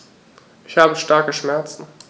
Ich habe starke Schmerzen.